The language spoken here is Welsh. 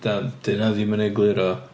Dal 'di hynna ddim yn egluro...